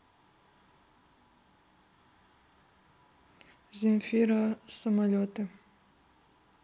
земфира самолеты